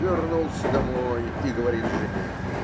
Вернулся домой и говорит жене